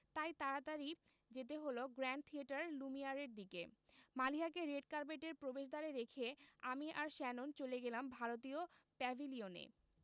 তাই তাড়াতাড়ি যেতে হলো গ্র্যান্ড থিয়েটার লুমিয়ারের দিকে মালিহাকে রেড কার্পেটের প্রবেশদ্বারে রেখে আমি আর শ্যানন চলে গেলাম ভারতীয় প্যাভিলিয়নে